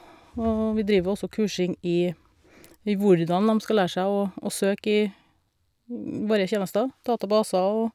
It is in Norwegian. Og vi driver jo også kursing i i hvordan dem skal lære seg å å søke i våre tjenester, databaser og...